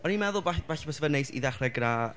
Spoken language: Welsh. O'n i'n meddwl fa- falle fysa fe'n neis i ddechrau gyda...